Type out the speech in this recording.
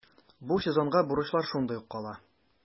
Бу сезонга бурычлар шундый ук кала.